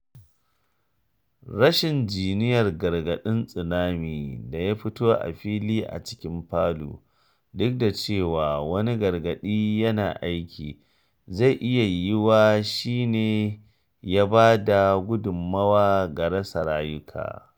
Rashin jiniyar gargarɗin tsunami da ya fito a fili a cikin Palu, duk da cewa wani gargaɗi yana aiki, zai iya yiwuwa shi ne ya ba da gudunmawa ga rasa rayuwa.